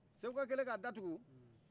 seguka kɛlen ka datugu